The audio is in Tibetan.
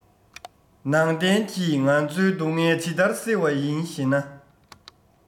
ནང བསྟན གྱིས ང ཚོའི སྡུག བསྔལ ཇི ལྟར སེལ བ ཡིན ཞེ ན